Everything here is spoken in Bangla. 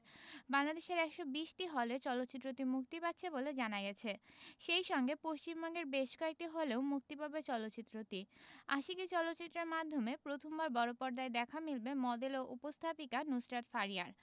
বাংলাদেশের ১২০টি হলে চলচ্চিত্রটি মুক্তি পাচ্ছে বলে জানা গেছে সেই সঙ্গে পশ্চিমবঙ্গের বেশ কয়েকটি হলেও মুক্তি পাবে চলচ্চিত্রটি আশিকী চলচ্চিত্রের মাধ্যমে প্রথমবার বড়পর্দায় দেখা মিলবে মডেল ও উপস্থাপিকা নুসরাত ফারিয়ার